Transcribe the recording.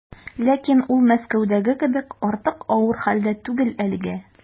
Ләкин ул Мәскәүдәге кебек артык авыр хәлдә түгел әлегә.